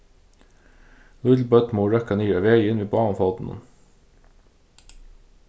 lítil børn mugu røkka niður á vegin við báðum fótunum